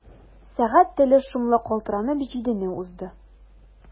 Сәгать теле шомлы калтыранып җидене узды.